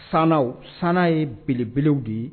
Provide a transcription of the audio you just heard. Sanaw, sanaw ye belebelew de ye.